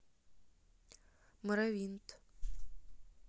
моровинд